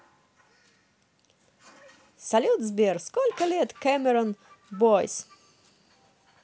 салют сбер сколько лет cameron boyce